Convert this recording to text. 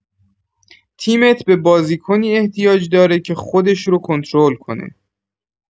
تیمت به بازیکنی احتیاج داره که خودش رو کنترل کنه.